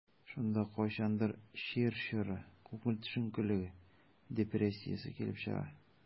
Шунда кайдандыр чир чоры, күңел төшенкелеге, депрессиясе килеп чыга.